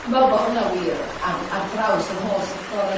Dwi me'l bo' hwna'n wir ar ar draws yr holl sectora'